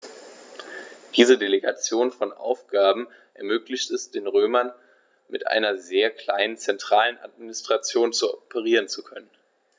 Diese Delegation von Aufgaben ermöglichte es den Römern, mit einer sehr kleinen zentralen Administration operieren zu können.